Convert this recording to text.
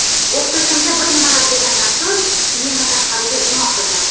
o'qituvchimga bir nimalar degandan so'ng meni tashqariga imo qildi